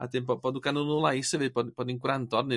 A 'dyn bo' bod nw gannyn nw lais efyd bo' n- bo' ni'n gwrando arnyn